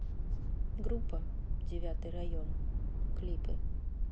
группа девятый район клипы